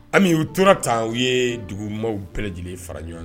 An u tora ta u ye dugu maaw bɛɛlɛ lajɛlen fara ɲɔgɔn